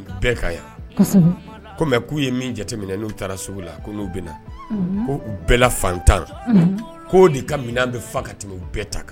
Bɛɛ ka yan komi k'u ye min jateminɛ n'u taara segu la n'u bɛ u bɛɛ fantan ko ni ka minɛn an bɛ fa ka tɛmɛ u bɛɛ ta kan